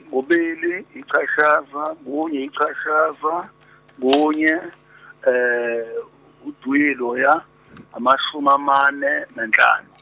kubili yichashaza kunye yichashaza kunye udwi loya amashum' amane nanhlanu.